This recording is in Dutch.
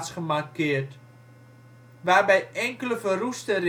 gemarkeerd, waarbij enkele verroeste